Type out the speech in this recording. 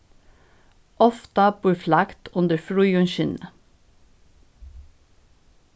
ofta býr flagd undir fríðum skinni